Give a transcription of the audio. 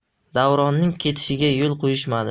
davronning ketishiga yo'l qo'yishmadi